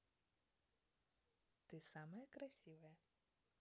ты самая красивая